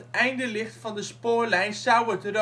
einde ligt van de spoorlijn Sauwerd - Roodeschool